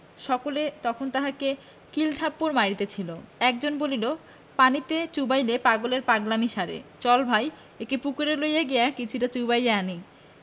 সকলে তখন তাহাকে কিল থাপ্পর মারিতেছিল একজন বলিল পানিতে চুবাইলে পাগলের পাগলামী সারে চল ভাই একে পুকুরে লইয়া গিয়া কিছুটা চুবাইয়া আনি